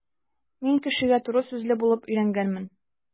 Мин кешегә туры сүзле булып өйрәнгәнмен.